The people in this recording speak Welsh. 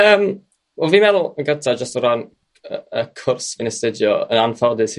yym wel fi'n meddwl jyst o ran y cwrs fi'n astudio yn anffodus i